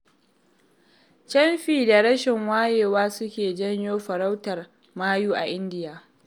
Camfi da rashin wayewa su ke janyo farautar mayu a Indiya.